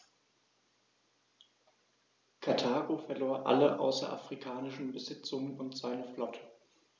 Karthago verlor alle außerafrikanischen Besitzungen und seine Flotte.